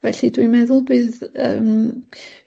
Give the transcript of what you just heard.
Felly, dwi'n meddwl bydd yym